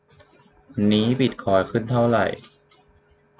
วันนี้บิทคอยน์ขึ้นเท่าไหร่